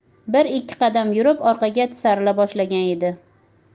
bir ikki qadam yurib orqaga tisarila boshlagan edi